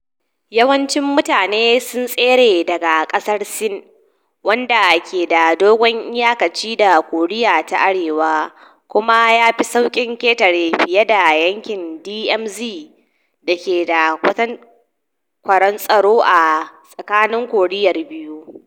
Yawancin mutane sun tsere daga kasar Sin, wanda ke da dogon iyakaci da Koriya ta Arewa kuma ya fi sauƙin ketarewa fiye da yankin (DMZ) dake da kwakwaran tsaro a tsakanin Korear biyu.